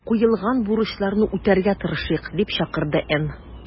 Куелган бурычларны үтәргә тырышыйк”, - дип чакырды Н.